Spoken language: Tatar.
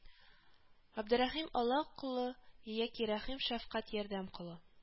Габдерәхим Алла колы, яки рәхим-шәфкать ярдәм колы